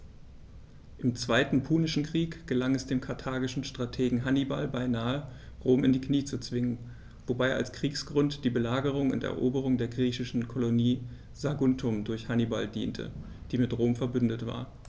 Im Zweiten Punischen Krieg gelang es dem karthagischen Strategen Hannibal beinahe, Rom in die Knie zu zwingen, wobei als Kriegsgrund die Belagerung und Eroberung der griechischen Kolonie Saguntum durch Hannibal diente, die mit Rom „verbündet“ war.